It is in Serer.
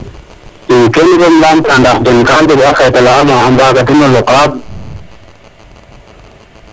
kene soom im lamta ndax den ga njeg a kayta la ando naye a mbaga dena loqa